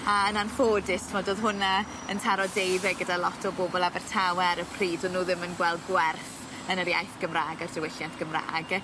A yn anffodus t'mod o'dd hwnna yn taro deuddeg gyda lot o bobol Abertawe ar y pryd o'n nw ddim yn gweld gwerth yn yr iaith Gymra'g a'r diwylliant Gymra'g.